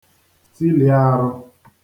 tili ārụ̄